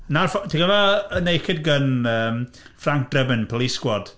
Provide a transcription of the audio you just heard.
'Na'r ffo... Ti'n cofio y Naked Gun yym Frank Drebin, Police Squad